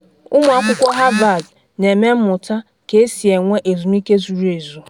Ụmụ akwụkwọ Harvard na-eme mmụta ka-esi enwe ezumike zuru ezu